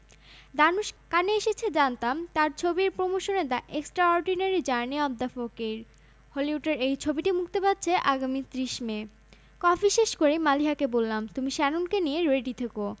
ধানুশ কানে এসেছে জানতাম তার ছবির প্রমোশনে the extraordinary journey of the Fakir হলিউডের এই ছবিটি মুক্তি পাচ্ছে আগামী ৩০ মে কফি শেষ করেই মালিহাকে বললাম তুমি শ্যাননকে নিয়ে রেডি থেকো